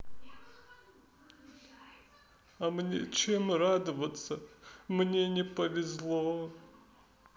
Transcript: а мне чем радоваться мне не повезло